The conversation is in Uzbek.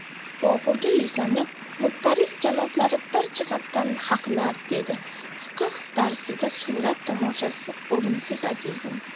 boburga yuzlanib mudarris janoblari bir jihatdan haqlar dedi fiqh darsida surat tomoshasi o'rinsiz azizim